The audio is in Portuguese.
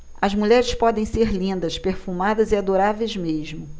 as mulheres podem ser lindas perfumadas e adoráveis mesmo